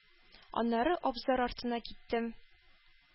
Аннары абзар артына киттем.